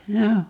joo